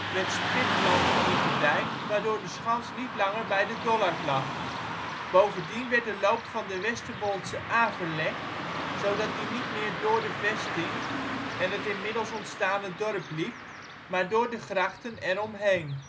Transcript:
werd Spitland ingedijkt waardoor de schans niet langer bij de Dollard lag. Bovendien werd de loop van de Westerwoldse Aa verlegd, zodat die niet meer door de vesting en het inmiddels ontstane dorp liep maar door de grachten erom heen